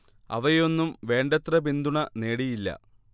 അവയൊന്നും വേണ്ടത്ര പിന്തുണ നേടിയില്ല